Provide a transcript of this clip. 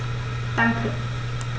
Danke.